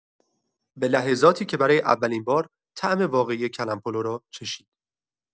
به لحظاتی که برای اولین بار طعم واقعی کلم‌پلو را چشید.